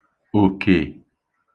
òkè